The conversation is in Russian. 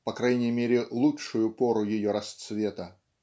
по крайней мере, лучшую пору ее расцвета.